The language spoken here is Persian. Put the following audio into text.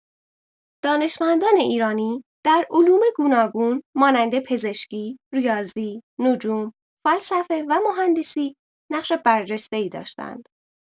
دانشمندان ایرانی در علوم گوناگون مانند پزشکی، ریاضی، نجوم، فلسفه و مهندسی نقش برجسته‌ای داشته‌اند.